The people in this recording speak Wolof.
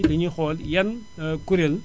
dañuy xool yan kuréel